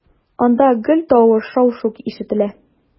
Анда гел тавыш, шау-шу ишетелә.